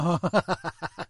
O!